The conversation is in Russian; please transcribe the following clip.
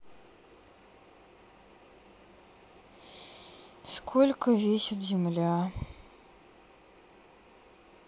сколько весит земля